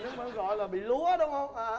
mà bị gọi là lúa đúng không ơ